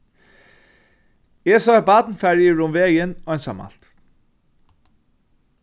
eg sá eitt barn fara yvir um vegin einsamalt